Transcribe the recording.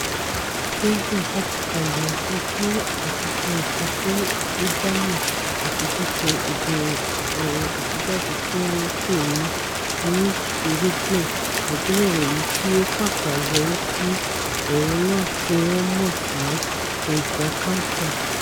Geiger ṣàgbékalẹ̀ ọgbọ́n-àtiṣenǹkan fún dídámọ̀ àti ṣíṣe òdiwọ̀n àwọn ìtújáde tíwọn pè ni oníṣẹ́rédíò, àgbélẹ̀rọ èyití o pàpà yọrísì ẹ̀rọ náà tíwọ́n mọ̀ sí Geiger Counter.